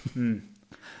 Hm.